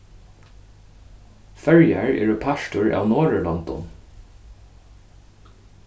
føroyar eru partur av norðurlondum